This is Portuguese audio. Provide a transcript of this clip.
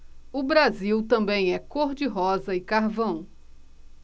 o brasil também é cor de rosa e carvão